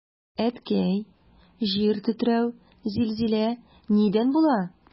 Әткәй, җир тетрәү, зилзилә нидән була?